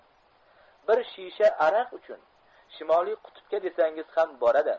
bir shisha aroq uchun shimoliy qutbga desangiz ham boradi